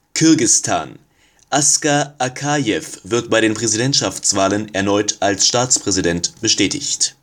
Kirgisistan: Askar Akajew wird bei den Präsidentschaftswahlen erneut als Staatspräsident bestätigt